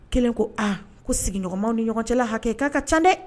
Kelen ko aa ko sigiɲɔgɔnmaw ni ɲɔgɔn cɛ hakɛ i k'a ka ca dɛ